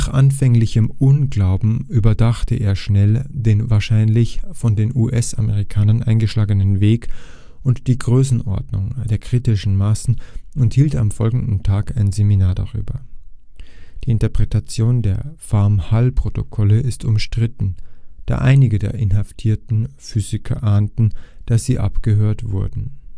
anfänglichem Unglauben überdachte er schnell den wahrscheinlich von den US-Amerikanern eingeschlagenen Weg und die Größenordnung der kritischen Massen und hielt am folgenden Tag ein Seminar darüber. Die Interpretation der Farm-Hall-Protokolle ist umstritten, da einige der inhaftierten Physiker ahnten, dass sie abgehört wurden